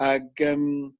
ag yym